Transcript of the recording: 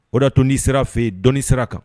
O da tunondi sera fɛ yen dɔni sira kan